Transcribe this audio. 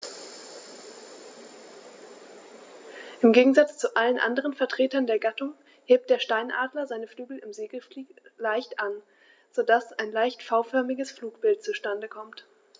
Im Gegensatz zu allen anderen Vertretern der Gattung hebt der Steinadler seine Flügel im Segelflug leicht an, so dass ein leicht V-förmiges Flugbild zustande kommt.